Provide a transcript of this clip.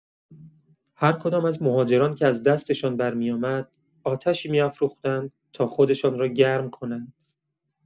هرکدام از مهاجران که از دستشان برمی‌آمد، آتشی می‌افروختند تا خودشان را گرم کنند.